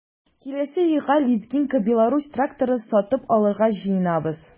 Киләсе елга лизингка “Беларусь” тракторы сатып алырга җыенабыз.